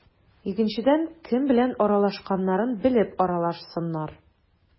Икенчедән, кем белән аралашканнарын белеп аралашсыннар.